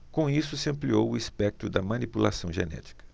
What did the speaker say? com isso se ampliou o espectro da manipulação genética